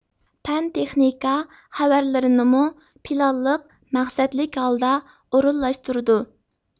پەن تېخنىكا خەۋەرلىرىنىمۇ پىلانلىق مەقسەتلىك ھالدا ئورۇنلاشتۇرىدۇ